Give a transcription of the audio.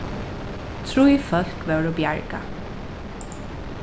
trý fólk vórðu bjargað